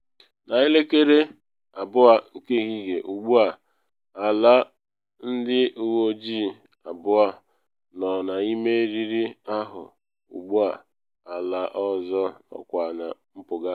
Na elekere 2 nke ehihie ụgbọ ala ndị uwe ojii abụọ nọ n’ime eriri ahụ ụgbọ ala ọzọ nọkwa na mpụga.